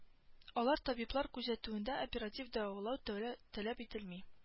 Алар табиблар күзәтүендә оператив дәвалау талә таләп ителми